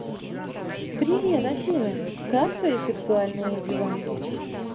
привет афина как твои сексуальные дела